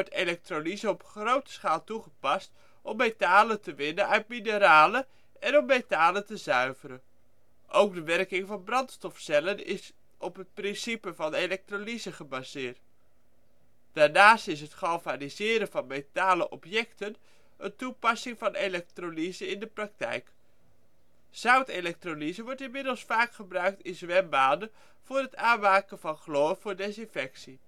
elektrolyse op grote schaal toegepast om metalen te winnen uit mineralen en om de metalen te zuiveren. Ook de werking van brandstofcellen is op het principe van elektrolyse gebaseerd. Daarnaast is het galvaniseren van metalen objecten een toepassing van elektrolyse in de praktijk. Zout elektrolyse wordt inmiddels vaak gebruikt in zwembaden voor het aanmaken van chloor voor desinfectie